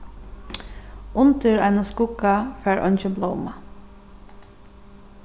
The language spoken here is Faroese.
undir einum skugga fær eingin blómað